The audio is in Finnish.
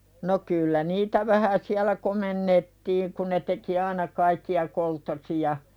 no kyllä niitä vähän siellä komennettiin kun ne teki aina kaikkia kolttosia